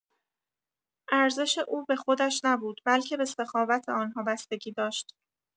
ارزش او به خودش نبود، بلکه به سخاوت آن‌ها بستگی داشت.